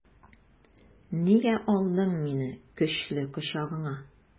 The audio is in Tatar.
Нигә алдың мине көчле кочагыңа?